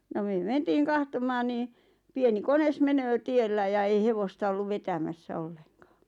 no me mentiin katsomaan niin pieni kone menee tiellä ja ei hevosta ollut vetämässä ollenkaan